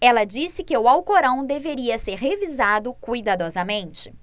ela disse que o alcorão deveria ser revisado cuidadosamente